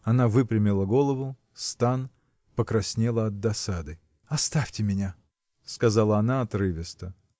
Она выпрямила голову, стан, покраснела от досады. – Оставьте меня! – сказала она отрывисто.